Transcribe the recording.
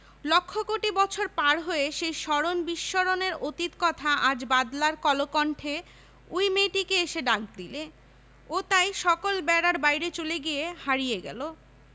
লক্ষ কোটি বছর পার হয়ে সেই স্মরণ বিস্মরণের অতীত কথা আজ বাদলার কলকণ্ঠে ঐ মেয়েটিকে এসে ডাক দিলে ও তাই সকল বেড়ার বাইরে চলে গিয়ে হারিয়ে গেল